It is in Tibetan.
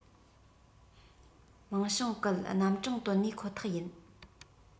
མིང བྱང བཀལ རྣམ གྲངས བཏོན ནས ཁོ ཐག ཡིན